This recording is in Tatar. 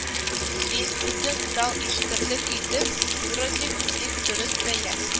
Син, бөтен зал ишетерлек итеп, «дура» дип, бик дөрес бәя